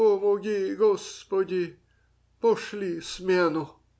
помоги, господи, пошли смену.